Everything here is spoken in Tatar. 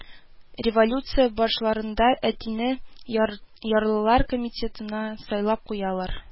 Революция башларында әтине ярлылар комитетына сайлап куялар